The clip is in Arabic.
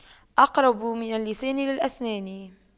أقرب من اللسان للأسنان